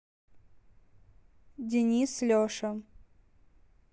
денис леша